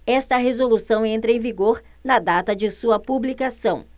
esta resolução entra em vigor na data de sua publicação